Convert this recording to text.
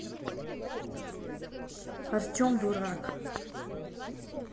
артем дурак